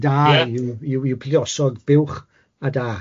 da yw yw yw pleidiosod buwch a da.